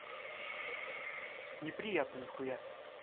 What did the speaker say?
неприятно нихуя